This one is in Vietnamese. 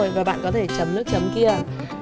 rồi và bạn có thể chấm nước chấm kia